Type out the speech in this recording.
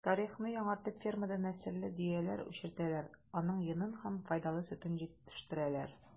Тарихны яңартып фермада нәселле дөяләр үчретәләр, аның йонын һәм файдалы сөтен җитештерәләр.